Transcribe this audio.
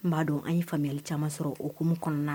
N b'a dɔn an ye faamuyali caman sɔrɔ o hukumu kɔnɔna